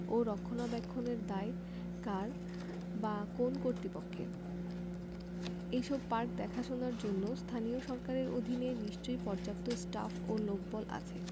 ও রক্ষণাবেক্ষণের দায় কার বা কোন্ কর্তৃপক্ষের এসব পার্ক দেখাশোনার জন্য স্থানীয় সরকারের অধীনে নিশ্চয়ই পর্যাপ্ত স্টাফ ও লোকবল আছে